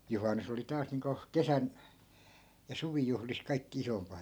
juhannus oli taas niin kuin kesän ja suvijuhlissa kaikkein isoin